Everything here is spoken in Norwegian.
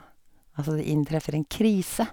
Altså, det inntreffer en krise.